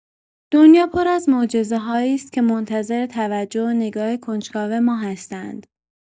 دنیا پر از معجزه‌هایی است که منتظر توجه و نگاه کنجکاو ما هستند.